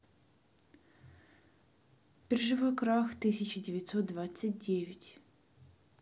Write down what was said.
биржевой крах тысяча девятьсот двадцать девять